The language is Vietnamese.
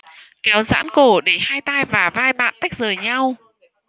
kéo dãn cổ để hai tai và vai bạn tách rời nhau